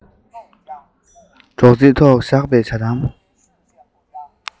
སྒྲོག ཙེའི ཐོག བཞག པའི ཇ དམ